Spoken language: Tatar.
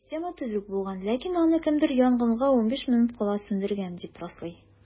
Система төзек булган, ләкин аны кемдер янгынга 15 минут кала сүндергән, дип раслый.